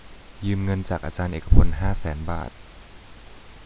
ยืมเงินจากอาจารย์เอกพลห้าแสนบาท